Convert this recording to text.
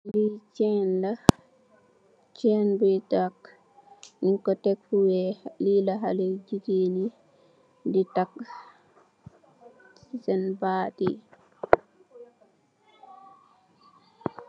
Li chain la chain bui taka nyun ko tek fo week li la xale jigeen yi di taka si sen bati.